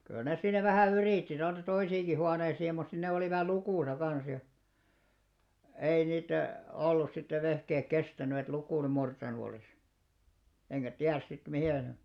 kyllä ne siinä vähän yritti tuonne toisiinkin huoneisiin mutta sitten ne olivat lukossa kanssa ja ei niiden ollut sitten vehkeet kestänyt että lukon murtanut olisi enkä tiedä sitten miten ne